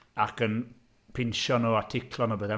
Ac yn pinsio nhw a ticlo nhw pethau.